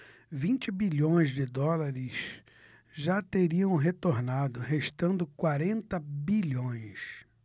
vinte bilhões de dólares já teriam retornado restando quarenta bilhões